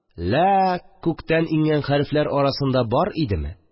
«ля» күктән иңгән хәрефләр арасында бар идеме